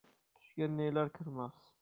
tushga nelar kirmas